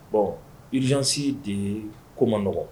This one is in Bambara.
Bɔn izsi de ye ko man nɔgɔn